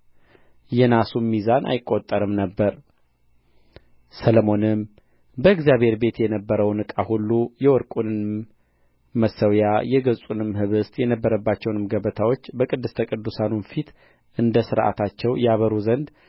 የናሱም ሚዛን አይቈጠርም ነበር ሰሎሞንም በእግዚአብሔር ቤት የነበረውን ዕቃ ሁሉ የወርቁንም መሠዊያ የገጹንም ኅብስት የነበረባቸውን ገበታዎች በቅድስተ ቅዱሳኑም ፊት እንደ ሥርዓታቸው ያበሩ ዘንድ